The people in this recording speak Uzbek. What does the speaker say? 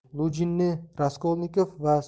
lujinni raskolnikov va